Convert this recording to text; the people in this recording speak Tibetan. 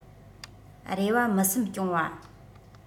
རེ བ མི སེམས སྐྱོང བ